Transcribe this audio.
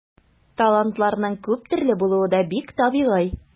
Талантларның күп төрле булуы да бик табигый.